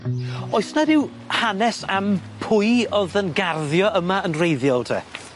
Oes 'na ryw hanes am pwy o'dd yn garddio yma yn wreiddiol te?